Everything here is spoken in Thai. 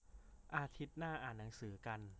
อาทิตย์หน้าอ่านหนังสือกัน